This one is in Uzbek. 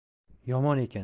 yomon ekan